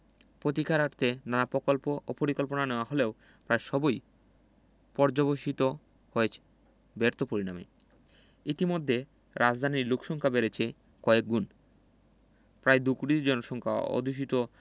প্রতিকারার্থে নানা প্রকল্প ও পরিকল্পনা নেয়া হলেও প্রায় সবই পর্যবসিত হয়েছে ব্যর্থ পরিণামে ইতোমধ্যে রাজধানীর লোকসংখ্যা বেড়েছে কয়েকগুণ প্রায় দুকোটি জনসংখ্যা অধ্যুষিত